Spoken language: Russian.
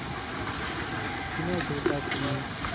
кино черепашки ниндзя